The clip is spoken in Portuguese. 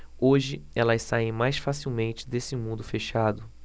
hoje elas saem mais facilmente desse mundo fechado